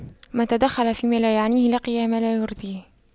من تَدَخَّلَ فيما لا يعنيه لقي ما لا يرضيه